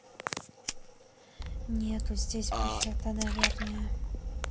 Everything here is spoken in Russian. нету здесь буфета наверное